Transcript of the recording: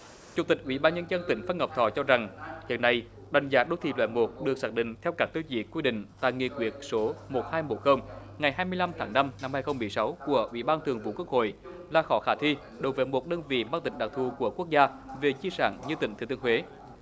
chủ tịch ủy ban nhân dân tỉnh phan ngọc thọ cho rằng hiện nay đánh giá đô thị loại một được xác định theo các tiêu chí quy định tại nghị quyết số một hai bốn không ngày hai mươi lăm tháng năm năm hai không mười sáu của ủy ban thường vụ quốc hội là khó khả thi đối với một đơn vị mang tính đặc thù của quốc gia về di sản như tỉnh thừa thiên huế